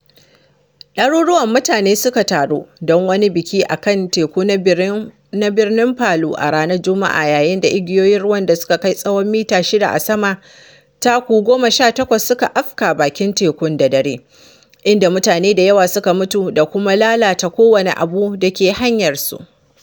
Ɗaruruwan mutane suka taru don wani biki a kan teku na birnin Palu a ranar Juma’a a yayin da igiyoyin ruwan da suka kai tsawon mita shida a sama (taku 18) suka afka bakin teku da dare, inda mutane da yawa suka mutu da kuma lalata kowane abu da ke hanyarsu.